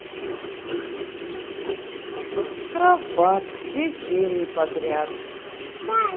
штрафбат все серии подряд